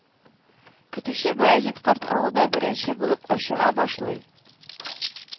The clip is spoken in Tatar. Көтүче Баязит карт авылда беренче булып ачыга башлый